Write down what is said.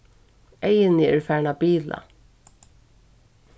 eyguni eru farin at bila